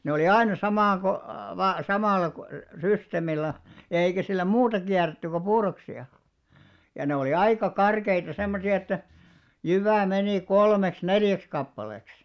ne oli aina -- samalla systeemillä eikä sillä muuta kierretty kuin puuroksia ja ne oli aika karkeita semmoisia että jyvä meni kolmeksi neljäksi kappaleeksi